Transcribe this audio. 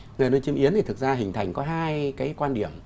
về nuôi chim yến thì thực ra hình thành có hai cái quan điểm